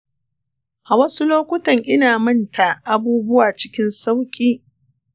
a wasu lokuttan ina manta abubuwa cikin sauƙi.